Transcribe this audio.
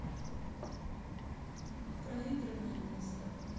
проигранное место